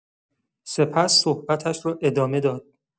سپس صحبتش را ادامه داد.